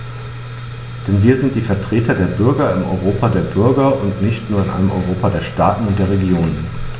Denn wir sind die Vertreter der Bürger im Europa der Bürger und nicht nur in einem Europa der Staaten und der Regionen.